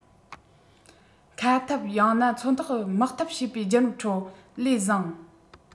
མཁའ འཐབ ཡང ན མཚོ ཐོག དམག འཐབ བྱེད པའི བརྒྱུད རིམ ཁྲོད ལས བཟང